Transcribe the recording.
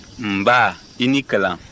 nba i ni kalan